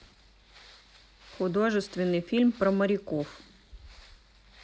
художественный фильм про моряков